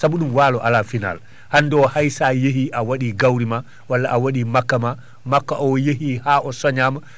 saabu ɗum walo ala final hannde o hay sa yeehi a waɗi gawri ma walla a waɗi makka ma makko yeehi o cooñama